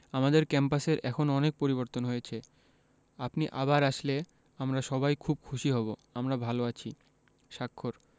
আমাদের ক্যাম্পাসের এখন অনেক পরিবর্তন হয়েছে আপনি আবার আসলে আমরা সবাই খুব খুশি হব আমরা ভালো আছি স্বাক্ষর